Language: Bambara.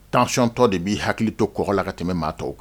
1cɔntɔ de b'i hakili to kɔ la ka tɛmɛ maa tɔw kan